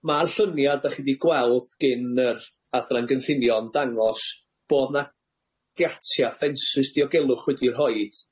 Ma'r llynia 'dach chi 'di gweld gin yr Adran Gynllunio yn dangos bo' 'na giatia ffensys diogelwch wedi eu rhoid